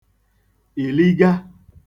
ìliga